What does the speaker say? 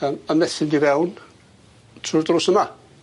Yym a methu mynd i fewn trw'r drws yma.